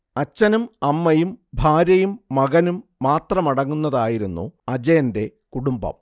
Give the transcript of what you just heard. അച്ഛനും അമ്മയും ഭാര്യയും മകനും മാത്രമടങ്ങുന്നതായിരുന്നു അജയന്റെ കുടുംബം